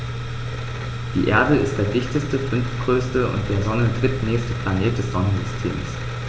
Die Erde ist der dichteste, fünftgrößte und der Sonne drittnächste Planet des Sonnensystems.